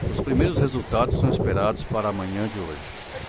os primeiros resultados são esperados para a manhã de hoje